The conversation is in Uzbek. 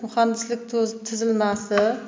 muhandislik tuzilmasi